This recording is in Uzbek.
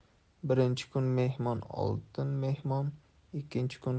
birinchi kun mehmon oltin mehmon ikkinchi kun